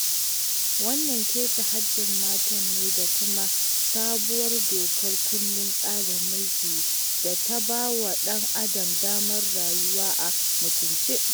Wannan keta haddin mata ne da kuma saɓawa dokar kundin tsarin mulki da ta ba wa ɗan adam damar rayuwa a mutunce.